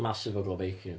Massive oglau bacon.